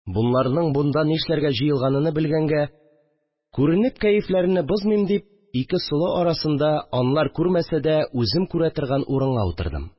Бонларның монда нишләргә җылганыны белгәнгә, күренеп кәефләрене бозмыйм дип, ике солы арасында, алар күрмәсә дә үзем күрә торган урынга утырдым